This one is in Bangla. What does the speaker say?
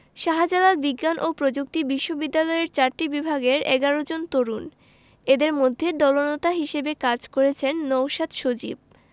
শাহজালাল বিজ্ঞান ও প্রযুক্তি বিশ্ববিদ্যালয়ের চারটি বিভাগের ১১ জন তরুণ এদের মধ্যে দলনেতা হিসেবে কাজ করেছেন নওশাদ সজীব